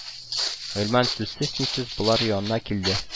Гыйльман сүзсез-нисез болар янына килде